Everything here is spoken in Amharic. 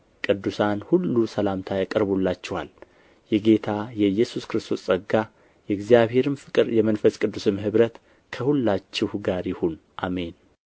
ቅዱሳን ሁሉ ሰላምታ ያቀርቡላችኋል የጌታ የኢየሱስ ክርስቶስ ጸጋ የእግዚአብሔርም ፍቅር የመንፈስ ቅዱስም ኅብረት ከሁላችሁ ጋር ይሁን አሜን